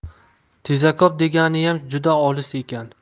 tezakop deganiyam juda olis ekan